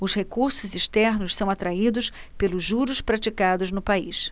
os recursos externos são atraídos pelos juros praticados no país